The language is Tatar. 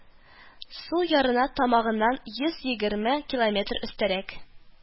Сул ярына тамагыннан йөз егерме җиде километр өстәрәк